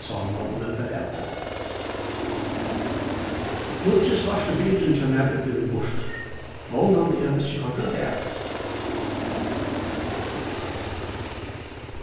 sámal og meldar avboð nýggi svarti bilurin hjá mær er blivin burtur vónandi er hann ikki koyrdur útav